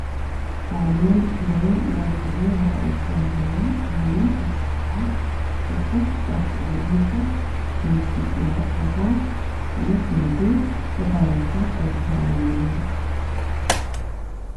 Waa hool waxaa fadhiya niman waxaa ii muuqda nin askari oo wato dhar ciidan oo fadhiya kursi madow ah